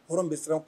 Hɔrɔn bɛ siran